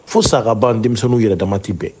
Fo sa ka ban denmisɛninw yɛrɛ damati bɛn.